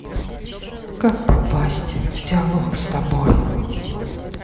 как попасть в диалог с тобой